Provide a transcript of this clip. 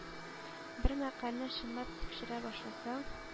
Бер мәкальне чынлап тикшерә башласаң,